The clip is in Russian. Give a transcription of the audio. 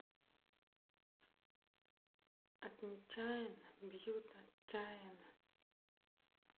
от нечаянно бьют отчаянно